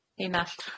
Unallt.